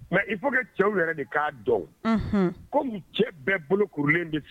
Mɛ i cɛw yɛrɛ de k'a dɔn komi cɛ bɛɛ bolo kuruurunlen de